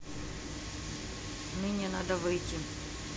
нине надо выйти